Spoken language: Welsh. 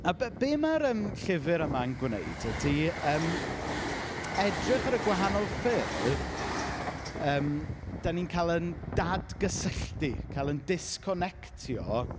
A b- be ma'r yym llyfr yma'n gwneud ydy yym edrych ar y gwahanol ffyrdd yym dan ni'n cael ein dadgysylltu, cael ein disconectio.